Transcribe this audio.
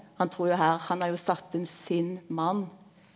han trur jo her han har jo satt inn sin mann.